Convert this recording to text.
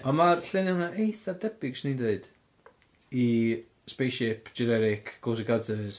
ond ma'r lluniau 'na eitha debyg 'swn i'n deud i spaceship, generic, close encounters